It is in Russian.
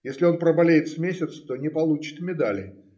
Если он проболеет с месяц, то не получит медали.